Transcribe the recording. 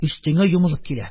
Өстеңә йомылып килә.